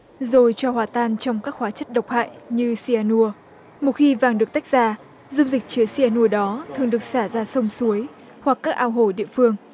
rồi cho hòa tan trong các hóa chất độc hại như xi a nua một khi vàng được tách ra dung dịch chứa xi a nua đó thường được xả ra sông suối hoặc các ao hồ địa phương